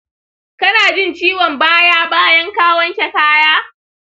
kana jin ciwon baya bayan ka wanke kaya?